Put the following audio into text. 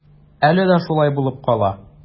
Әле дә шулай булып кала.